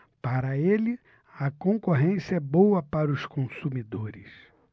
para ele a concorrência é boa para os consumidores